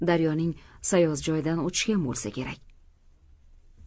daryoning sayozjoyidan o'tishgan bo'lsa kerak